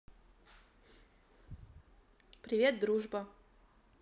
привет дружба